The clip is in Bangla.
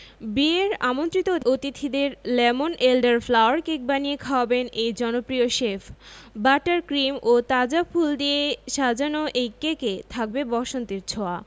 বিয়ের আমন্ত্রিত অতিথিদের লেমন এলডার ফ্লাওয়ার কেক বানিয়ে খাওয়াবেন এই জনপ্রিয় শেফ বাটার ক্রিম ও তাজা ফুল দিয়ে সাজানো সেই কেকে থাকবে বসন্তের ছোঁয়া